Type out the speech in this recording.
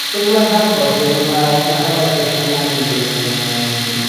'c'os ma'n helpful 'c'os ma' ma' ma' helpful achos ma' nain yn byw yn yym